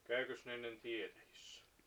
kävikös ne ennen tietäjissä